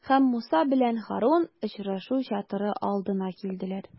Һәм Муса белән Һарун очрашу чатыры алдына килделәр.